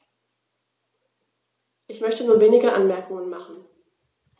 Ich möchte nur wenige Anmerkungen machen.